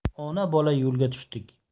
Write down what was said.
ona bola yo'lga tushdik